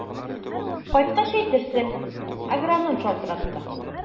Кайткач әйтерсең, агроном чылтыратты.